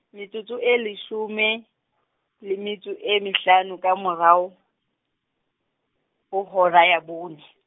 metsotso e leshome, le metso e mehlano, ka morao, ho hora ya bone.